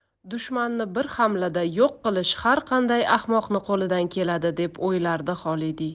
dushmanni bir hamlada yo'q qilish har qanday ahmoqning qo'lidan keladi deb o'ylardi xolidiy